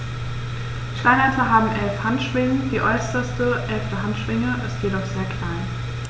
Steinadler haben 11 Handschwingen, die äußerste (11.) Handschwinge ist jedoch sehr klein.